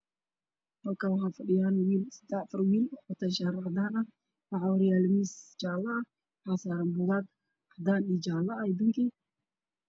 Halkaan waxaa fadhiyo wiil wato shaar cadaan ah waxaa horyaala miis jaale ah waxaa saaran buugaag jaale, bingi, cadaan.